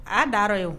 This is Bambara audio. A da rɔ ye